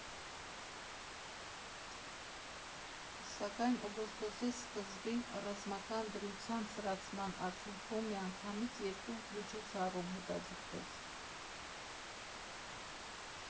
Սակայն օգոստոսի սկզբին ռազմական դրության սրացման արդյունքում միանգամից երկու միջոցառում հետաձգվեց։